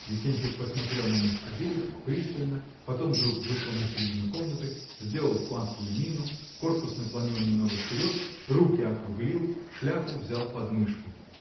Викентьев посмотрел на них обеих пристально, потом вдруг вышел на середину комнаты, сделал сладкую мину, корпус наклонил немного вперед, руки округлил, шляпу взял под мышку.